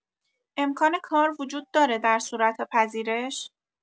امکان کار وجود داره در صورت پذیرش؟